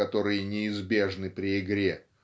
которые неизбежны при игре